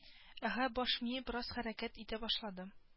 Әһә баш мие бераз хәрәкәт итә башлады